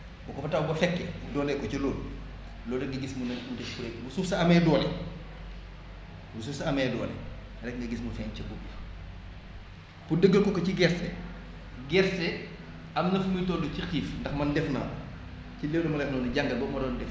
bu ko fa taw ba fekkee dooleeku ci loolu loola nga gis mun na indi xeetu bu suuf sa amee doole bu suf sa amee doole rekk nga gis mu feeñ ca ngoob ba pour dëggal ko ko ci gerte gerte am na fu muy toll ci xiif ndax man def naa ko ci loolu ma lay wax noonu jàngat boobu ma doon def